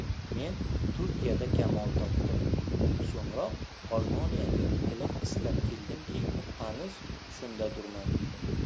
men turkiyada kamol topdim so'ngroq olmoniyaga ilm istab keldimki hanuz shundadurman